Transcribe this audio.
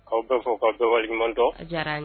K'aw bɛ fɔ k'aw waleɲuman dɔn, a diyara'n ye!